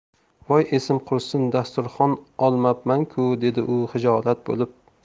voy esim qursin dasturxon olmabman ku dedi u xijolat bo'lib